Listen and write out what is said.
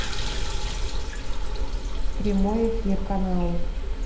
прямой эфир каналы